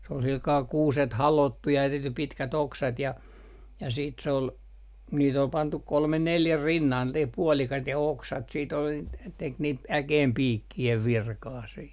se oli sillä kalella kuuset halottu ja tehty pitkät oksat ja ja sitten se oli niitä oli pantu kolme neljä rinnalta niitä puolikkaita ja oksat sitten oli - teki niitä äkeenpiikkien virkaa siinä